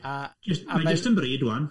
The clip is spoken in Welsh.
A jyst mae jyst yn bryd ŵan.